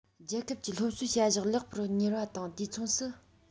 རྒྱལ ཁབ ཀྱིས སློབ གསོའི བྱ གཞག ལེགས པོར གཉེར བ དང དུས མཚུངས སུ